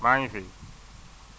maa ngi fi